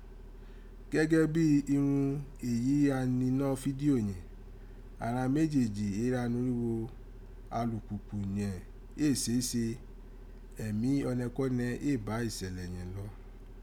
Gẹgẹ bii irun èyí gha ninọ́ fidio yẹ̀n, aghan mejeji èyí gha norígho alùpùpù yẹ̀n éè sèse, ẹmi ọnẹkọ́nẹ éè ba isẹlẹ yẹ̀n lọ.